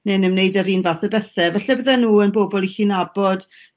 ne'n ymwneud yr un fath o bethe, falle bydde nw yn bobol 'ych chi'n nabod